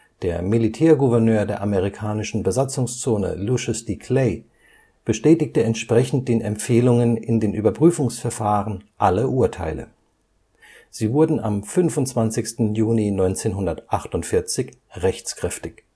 Der Militärgouverneur der Amerikanischen Besatzungszone Lucius D. Clay bestätigte entsprechend den Empfehlungen in den Überprüfungsverfahren alle Urteile. Sie wurden am 25. Juni 1948 rechtskräftig